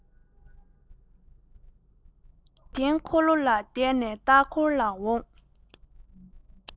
འདྲུད འཐེན འཁོར ལོ ལ བསྡད ནས ལྟ སྐོར ལ འོངས